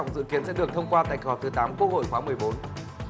dự kiến sẽ được thông qua tại kỳ họp thứ tám quốc hội khóa mười bốn